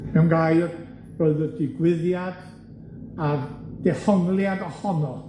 Mewn gair, roedd y digwyddiad a'r dehongliad ohono